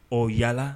O yala